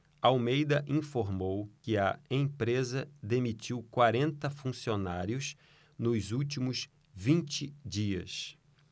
almeida informou que a empresa demitiu quarenta funcionários nos últimos vinte dias